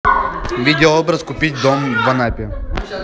видеообзор купить дом в анапе